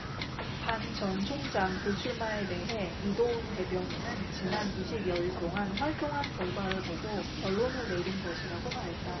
반 전 총장 불출마에 대해 이도운 대변인은 지난 이십 여일 동안 활동한 결과를 보고 결론을 내린 것이라고 말했다